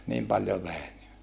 niin paljon vei niin